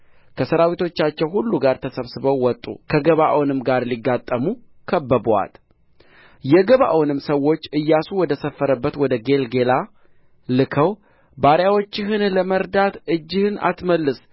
ከሠራዊቶቻቸው ሁሉ ጋር ተሰብስበው ወጡ ከገባዖንም ጋር ሊጋጠሙ ከበቡአት የገባዖንም ሰዎች ኢያሱ ወደ ሰፈረበት ወደ ጌልገላ ልከው ባሪያዎችህን ለመርዳት እጅህን አትመልስ